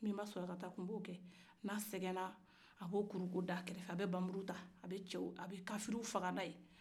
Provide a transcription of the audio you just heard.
nbenba sulakata a tun bo kɛ n'a sɛgɛ na a bo da kɛrɛ fɛ a bɛ bamuruta a bɛ kafriw faga na ye